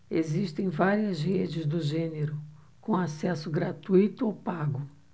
existem várias redes do gênero com acesso gratuito ou pago